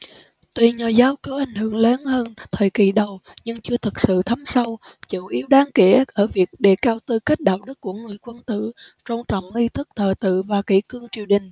tuy nho giáo có ảnh hưởng lớn hơn thời kỳ đầu nhưng chưa thực sự thấm sâu chủ yếu đáng kể ở việc đề cao tư cách đạo đức của người quân tử tôn trọng nghi thức thờ tự và kỷ cương triều đình